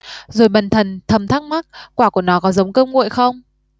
rồi bần thần thầm thắc mắc quả của nó có giống cơm nguội không